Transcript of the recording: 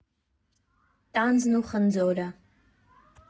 Տանձն ու խնձորը։